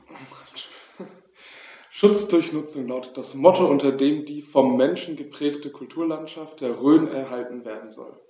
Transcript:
„Schutz durch Nutzung“ lautet das Motto, unter dem die vom Menschen geprägte Kulturlandschaft der Rhön erhalten werden soll.